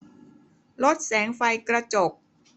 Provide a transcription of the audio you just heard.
ลดแสงไฟกระจก